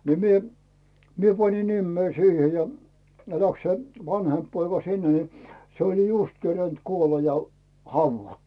niin minä minä panin nimeni siihen ja ne lähti se vanhempi poika sinne niin se oli justiin kerinnyt kuolla ja haudattu